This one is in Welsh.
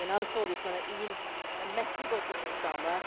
Yn anffodus, mae 'na un yn methu bod gyda ni pnawn 'ma.